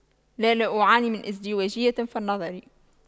لا لا أعاني من ازدواجية في النظر